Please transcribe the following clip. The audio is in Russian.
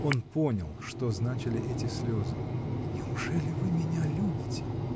Он понял, что значили эти слезы. -- Неужели вы меня любите?